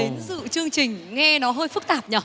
đến dự chương trình nghe nó hơi phức tạp nhở